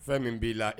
Fɛn min b'i la